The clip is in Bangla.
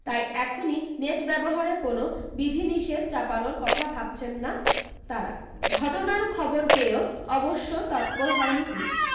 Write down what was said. তাই এখনি নেট ব্যবহারে কোনও বিধিনিষেধ চাপানোর কথা ভাবছেন না তাঁরা ঘটনার খবর পেয়েও অবশ্য তৎপর হয়নি পুলিশ